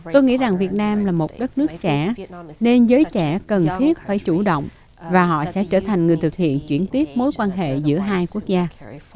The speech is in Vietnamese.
tôi nghĩ rằng việt nam là một đất nước trẻ nên giới trẻ cần thiết phải chủ động và họ sẽ trở thành người thực hiện chuyển tiếp mối quan hệ giữa hai quốc gia